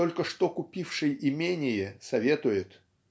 только что купившей имение советует